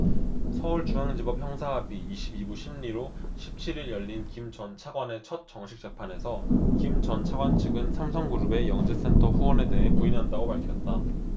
서울중앙지법 형사합의 이십 이 부 심리로 십 칠 일 열린 김 전 차관의 첫 정식 재판에서 김 전 차관 측은 삼성그룹의 영재센터 후원에 대해 부인한다고 밝혔다